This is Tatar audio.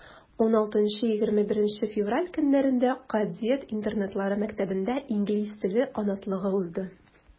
16-21 февраль көннәрендә кадет интернатлы мәктәбендә инглиз теле атналыгы узды.